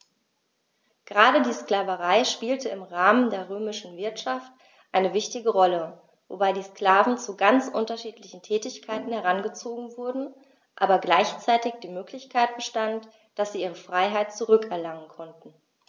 Gerade die Sklaverei spielte im Rahmen der römischen Wirtschaft eine wichtige Rolle, wobei die Sklaven zu ganz unterschiedlichen Tätigkeiten herangezogen wurden, aber gleichzeitig die Möglichkeit bestand, dass sie ihre Freiheit zurück erlangen konnten.